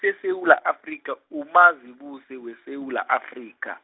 seSewula Afrika uMazibuse weSewula Afrika.